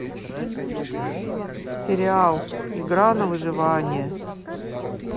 сериал игра на выживание